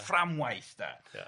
...fframwaith de. Ia.